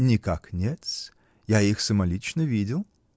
-- Никак нет-с, я их самолично видел.